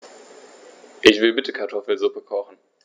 Ich will bitte Kartoffelsuppe kochen.